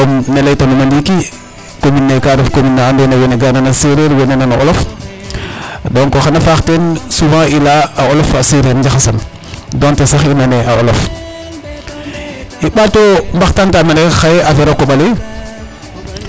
comme ne laytanuma ndiiki commune ne ka ref commune na andoona yee wene ga nan a seereer wene nan a olof donc xan a faax teen souvent i layaa a olof fa a seereer jaxasan donte sax i nanee a olof i ɓaat o mbaxtantaa mene xaye affaire a koƥ ale.